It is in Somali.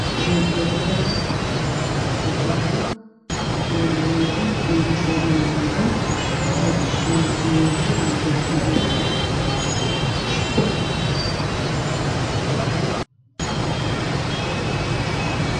Waa laba dhagood oo dahabi ah